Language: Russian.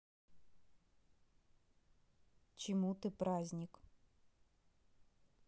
чему ты праздник